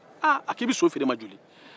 aaa a k'i bɛ so feere n ma joi